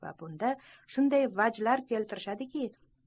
va bunda shunday vajlar keltirishadiki